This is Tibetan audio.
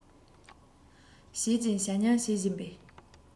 བྱེད ཀྱིན བྱ རྨྱང ཞིག བྱེད པས